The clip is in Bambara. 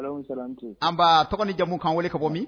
Tɔgɔ jamumu kan wele ka bɔ